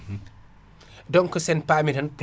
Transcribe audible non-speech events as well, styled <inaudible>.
<clears throat> donc sen pami tan